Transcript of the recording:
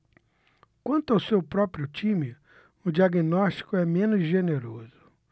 quanto ao seu próprio time o diagnóstico é menos generoso